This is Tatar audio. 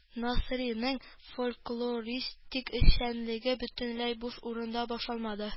Насыйриның фольклористик эшчәнлеге бөтенләй буш урында башланмады